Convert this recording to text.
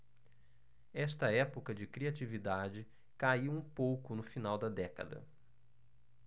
esta época de criatividade caiu um pouco no final da década